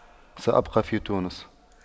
سأبقى في تونس